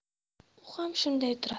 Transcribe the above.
u ham shunday turadi